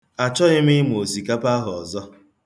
Achọghị m ịma osikapa ahụ ọzọ.